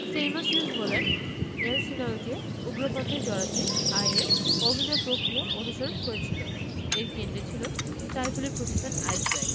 Seamus Hughes বলছেন এলসহিনাউয়িকে উগ্রপন্থায় জড়াতে আইএস অভিনব প্রক্রিয়া অনুসরণ করেছিল এর কেন্দ্রে ছিল সাইফুলের প্রতিষ্ঠান আইব্যাকস